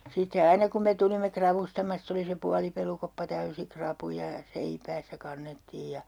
sitten aina kun me tulimme ravustamasta se oli se puolipelukoppa täysi rapuja ja seipäässä kannettiin ja